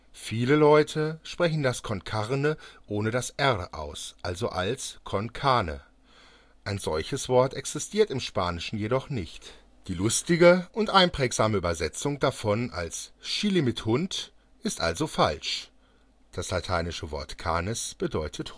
Viele Leute sprechen das „ con Carne “ohne das „ r “aus, also als „ con Cane “; ein solches Wort existiert im Spanischen jedoch nicht. Die lustige und einprägsame Übersetzung davon als „ Chili mit Hund “ist also falsch (das lateinische Wort „ canis “bedeutet